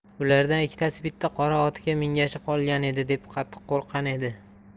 ulardan ikkitasi bitta qora otga mingashib olgan edi deb qattiq qo'rqqan edi